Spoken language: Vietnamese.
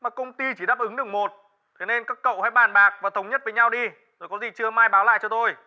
mà công ty chỉ đáp ứng được một thế nên các cậu hãy bàn bạc và thống nhất với nhau đi rồi có gì trưa mai báo lại cho tôi